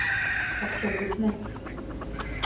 Акча күпме?